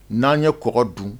N'an ye kɔgɔ dun